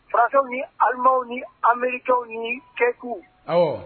Farakaww nilimaw ni anmerikaw ni kɛku